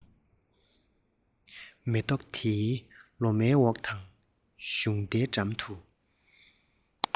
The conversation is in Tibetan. མེ ཏོག དེའི ལོ མའི འོག དང གཞུང རྟའི འགྲམ དུ